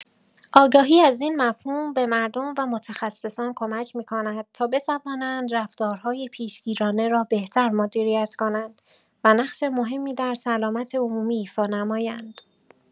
آگاهی از این مفهوم به مردم و متخصصان کمک می‌کند تا بتوانند رفتارهای پیشگیرانه را بهتر مدیریت کنند و نقش مهمی در سلامت عمومی ایفا نمایند.